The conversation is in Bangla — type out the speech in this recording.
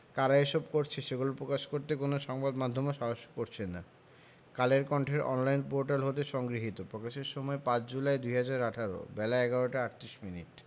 কারা এসব করছে সেগুলো প্রকাশ করতে কোনো সংবাদ মাধ্যমও সাহস করছে না কালের কন্ঠের অনলাইন পোর্টাল হতে সংগৃহীত প্রকাশের সময় ৫ জুলাই ২০১৮ বেলা ১১টা ৩৮ মিনিট